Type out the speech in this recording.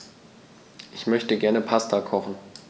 Ich möchte gerne Pasta kochen.